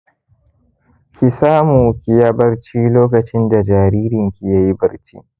ki samu kiya barci lokacin da jaririnki ya yi barci.